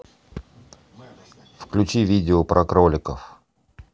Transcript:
включи видео про кроликов